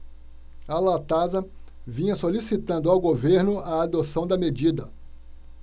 a latasa vinha solicitando ao governo a adoção da medida